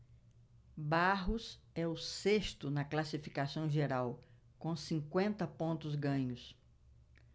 barros é o sexto na classificação geral com cinquenta pontos ganhos